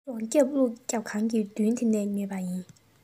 རྫོང རྒྱབ ཀླུ ཁང གི མདུན དེ ནས ཉོས པ ཡིན